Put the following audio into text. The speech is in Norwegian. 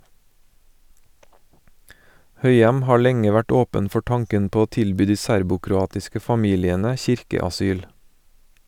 Høyem har lenge vært åpen for tanken på å tilby de serbokroatiske familiene kirkeasyl.